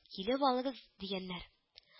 Килеп алыгыз,— дигәннәр